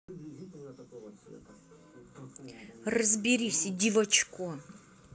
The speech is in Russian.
разберись иди в очко